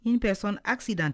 Nin tɛ sɔn asida